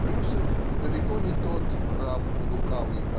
Брюсов -- далеко не тот раб лукавый